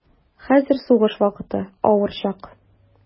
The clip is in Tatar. Хәзер сугыш вакыты, авыр чак.